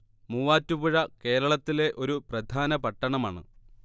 മൂവാറ്റുപുഴ കേരളത്തിലെ ഒരു പ്രധാന പട്ടണമാണ്